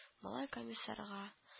Малай, комиссарга